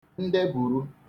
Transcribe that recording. ndebùru